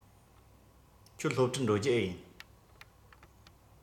ཁྱོད སློབ གྲྭར འགྲོ རྒྱུ འེ ཡིན